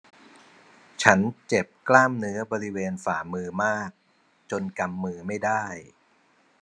ฉันเจ็บกล้ามเนื้อบริเวณฝ่ามือมากจนกำมือไม่ได้